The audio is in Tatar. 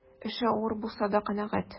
Эше авыр булса да канәгать.